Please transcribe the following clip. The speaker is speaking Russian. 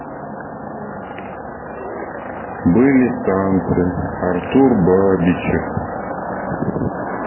были танцы артур бабичев